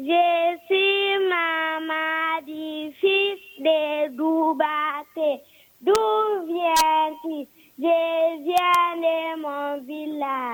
Zse ma madife bɛ duba fɛ duyɛ z z ne mɔbili la